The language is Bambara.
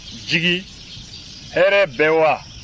jigi hɛrɛ bɛ wa